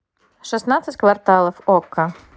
шестнадцать кварталов окко